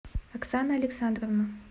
оксана александровна